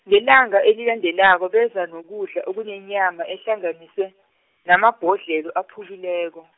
ngelanga elilandelako beza nokudla okunenyama ehlanganiswe, namabhodlelo aphukileko.